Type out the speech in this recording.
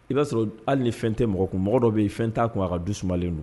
I b'a sɔrɔ hali ni fɛn tɛ mɔgɔ kun mɔgɔ dɔ bɛ yen fɛn t'a kun' ka duumanlen don